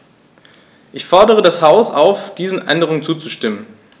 Ich fordere das Haus auf, diesen Änderungen zuzustimmen.